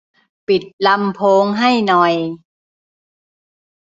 ปิดลำโพงให้หน่อย